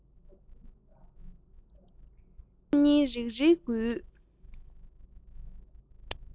མིག ཟུང གཉིས རིག རིག འགུལ